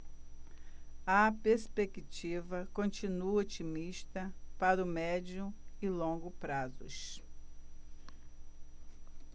a perspectiva continua otimista para o médio e longo prazos